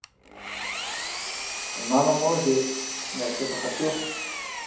мама молодец я что то хочу